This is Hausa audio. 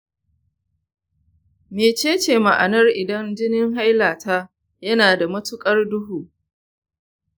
mece ce ma'anar idan jinin hailata yana da matuƙar duhu?